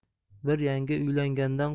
bir yangi uylangandan